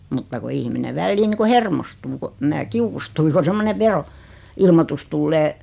mutta kun ihminen väliin niin kuin hermostuu kun minä kiukustuin kun semmoinen - veroilmoitus tulee